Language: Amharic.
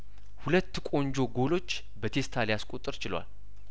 ሁለት ቆንጆ ጐሎች በቴስታ ሊያስቆጥር ችሏል